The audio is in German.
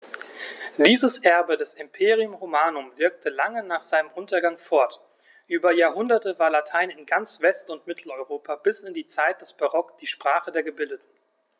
Dieses Erbe des Imperium Romanum wirkte lange nach seinem Untergang fort: Über Jahrhunderte war Latein in ganz West- und Mitteleuropa bis in die Zeit des Barock die Sprache der Gebildeten.